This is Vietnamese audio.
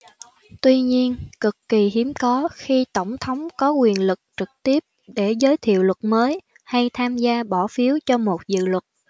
tuy nhiên cực kỳ hiếm có khi tổng thống có quyền lực trực tiếp để giới thiệu luật mới hay tham gia bỏ phiếu cho một dự luật